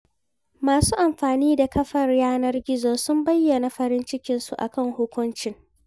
Masu amfani da kafar yanar gizo sun bayyana farin cikinsu a kan hukuncin.